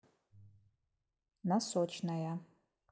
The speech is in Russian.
носочная